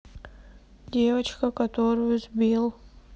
девочка которую сбил